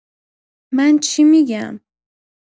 من چی می‌گم؟